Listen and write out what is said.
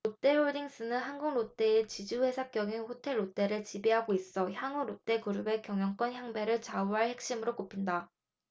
롯데홀딩스는 한국 롯데의 지주회사격인 호텔롯데를 지배하고 있어 향후 롯데그룹의 경영권 향배를 좌우할 핵심으로 꼽힌다